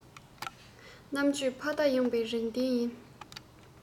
རྣམ དཔྱོད ཕ མཐའ ཡངས པའི རིག ལྡན ཡིན